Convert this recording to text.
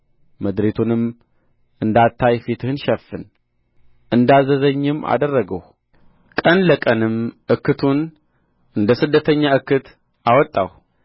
ምድሪቱንም እንዳታይ ፊትህን ሸፍን እንዳዘዘኝም አደረግሁ ቀን ለቀንም እክቱን እንደ ስደተኛ እክት አወጣሁ